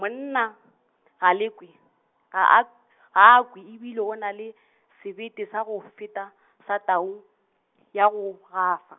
monna , Galekwe, ga a , ga a kwe e bile o na le , sebete sa go feta , sa tau, ya go gafa.